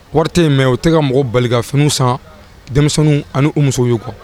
Wari tɛ in mɛ o tɛ ka mɔgɔ balifw san denmisɛnninw ani u musow y'u kɔ